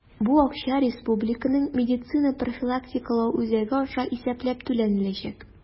Бу акча Республиканың медицина профилактикалау үзәге аша исәпләп түләнеләчәк.